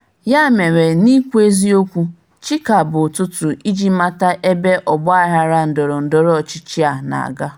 Ya mere n'ikwu eziokwu chi ka bụ ụtụtụ iji mata ebe ọgbaghara ndọrọndọrọ ọchịchị a na-aga.